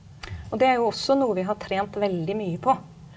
og det er jo også noe vi har trent veldig mye på.